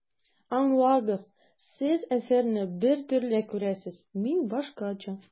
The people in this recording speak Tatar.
Аңлагыз, Сез әсәрне бер төрле күрәсез, мин башкача.